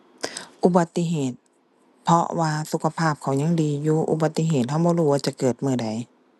อุบัติเหตุ เพราะว่าสุขภาพเขายังดีอยู่ อุบัติเหตุเราบ่รู้ว่าจะเกิดมื้อใด